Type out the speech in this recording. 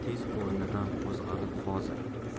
tez o'rnidan qo'zg'alib hozir